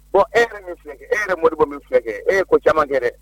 Ko e yɛrɛ min filɛ e yɛrɛ m bɔ min filɛ kɛ ee ko camankɛ dɛ